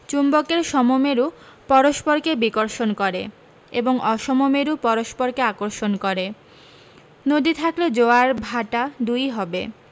চুম্বকের সমমেরু পরস্পরকে বিকর্ষন করে এবং অসমমেরু পরস্পরকে আকর্ষণ করে নদী থাকলে জোয়ার ভাঁটা দুই হবে